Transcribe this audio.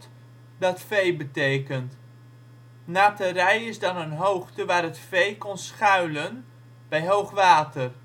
vee betekent. Naterij is dan een hoogte waar het vee kon schuilen bij hoogwater